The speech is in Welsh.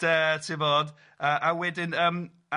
...de ti'n gwybod yy a wedyn yym a